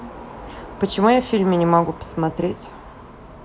почему я в фильме не могу посмотреть